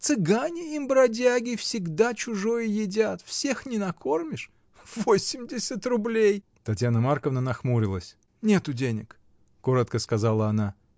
Цыгане и бродяги всегда чужое едят: всех не накормишь! Восемьдесят рублей! Татьяна Марковна нахмурилась. — Нету денег! — коротко сказала она.